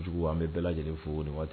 Jugu an bɛ bɛɛ lajɛlen fo nin waati